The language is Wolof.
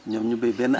ñoom ñu bay benn